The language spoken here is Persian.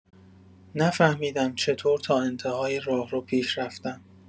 نفهمیدم چطور تا انت‌های راهرو پیش رفتم.